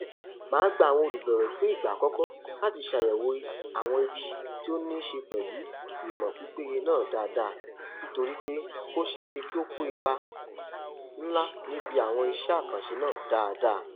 Síbẹ̀síbẹ̀ máa gba àwọn olùbẹ̀wẹ̀ fún ìgbà àkọ́kọ́ láti ṣàyẹ̀wò àwọn ibi tí ó ní í ṣe pẹ̀lú ìmọ̀ pípéye náà dáadáa, nítorí pé ó ṣeé ṣe kí ó kó ipa ńlá níbi àwọn iṣẹ́ àkànṣe náà.